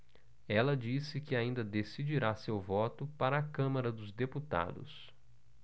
ela disse que ainda decidirá seu voto para a câmara dos deputados